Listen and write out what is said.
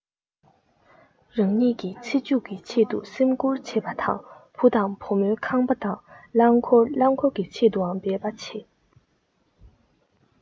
རང ཉིད ཀྱི ཚེ མཇུག གི ཆེད དུ སེམས ཁུར བྱེད པ དང བུ དང བུ མོའི ཁང པ དང རླངས འཁོར རླངས འཁོར གྱི ཆེད དུའང འབད པ བྱེད